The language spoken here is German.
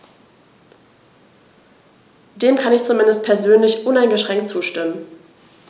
Dem kann ich zumindest persönlich uneingeschränkt zustimmen.